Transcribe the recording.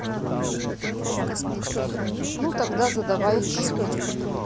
ну тогда задавай еще